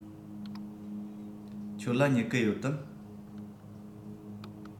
ཁྱོད ལ སྨྱུ གུ ཡོད དམ